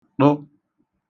tụ